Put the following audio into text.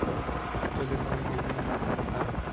telefoningizning raqami qanaqa